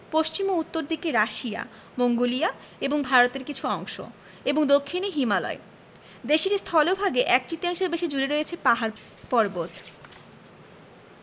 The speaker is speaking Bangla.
পশ্চিম ও উত্তর দিকে রাশিয়া মঙ্গোলিয়া এবং ভারতের কিছু অংশ এবং দক্ষিনে হিমালয় দেশটির স্থলভাগে এক তৃতীয়াংশের বেশি জুড়ে রয়েছে পাহাড় পর্বত